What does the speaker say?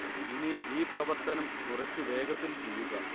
ഇനി ഈ പ്രവർത്തനം കുറച്ചു വേഗത്തിൽ ചെയ്യുക